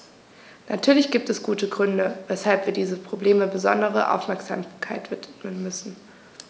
Natürlich gibt es gute Gründe, weshalb wir diesem Problem besondere Aufmerksamkeit widmen müssen.